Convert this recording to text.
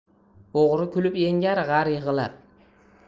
o'g'ri kulib yengar g'ar yig'lab